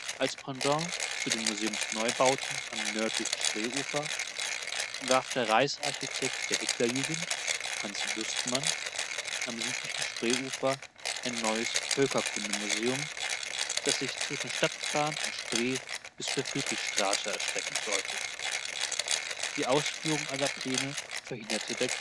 Als Pendant zu den Museumsneubauten am nördlichen Spreeufer entwarf der Reichsarchitekt der Hitlerjugend, Hanns Dustmann, am südlichen Spreeufer ein neues Völkerkundemuseum, das sich zwischen Stadtbahn und Spree bis zur Friedrichstraße erstrecken sollte. Die Ausführung aller Pläne verhinderte der